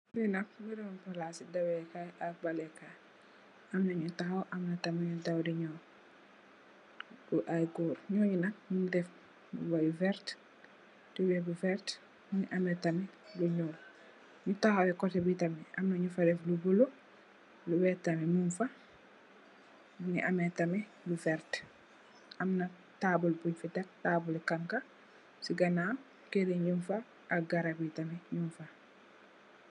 Palaas i dawé kaay ak futbale kaay, am ñu taxaw, am na tam ñuy daw di ñëw, di ay goor, ñoo ñu nak ñu ngi def mbuba yu werta, tubooy bu werta, mu ngi amee tamit, lu ñuul. Ñu taxawee kotte bi tamit, am na ñu fa def lu bulo, lu weex tamit mung fa, mu ngi amee tamit lu werta, am na taabul buñ fa tek, taabul li xanxa. Si ganaaw, kër yi ñung fa, ak garab yi tamit, ñung fa.